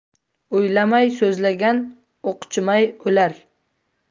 o'ylamay so'zlagan o'qchimay o'lar